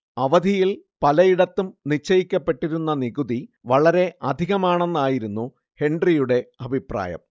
അവധിൽ പലയിടത്തും നിശ്ചയിക്കപ്പെട്ടിരുന്ന നികുതി വളരെ അധികമാണെന്നായിരുന്നു ഹെൻറിയുടെ അഭിപ്രായം